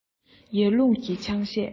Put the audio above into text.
ཡར ཀླུང གིས ཆང གཞས